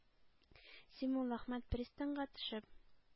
Син, Муллаәхмәт, пристаньга төшеп,